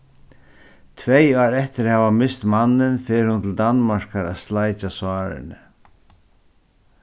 tvey ár eftir at hava mist mannin fer hon til danmarkar at sleikja sárini